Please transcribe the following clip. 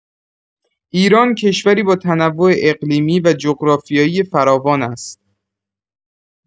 ایران کشوری با تنوع اقلیمی و جغرافیایی فراوان است.